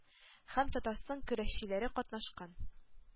Һәм татарстан көрәшчеләре катнашкан.